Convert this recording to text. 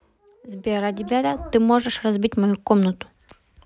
сбер ради тебя ты можешь разбить мою комнату